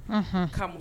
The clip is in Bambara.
Un